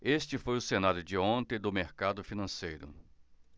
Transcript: este foi o cenário de ontem do mercado financeiro